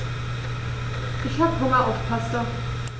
Ich habe Hunger auf Pasta.